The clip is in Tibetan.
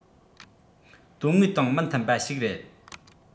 དོན དངོས དང མི མཐུན པ ཞིག རེད